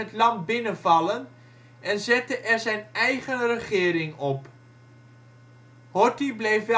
land binnenvallen en zette er zijn eigen regering op. Horthy bleef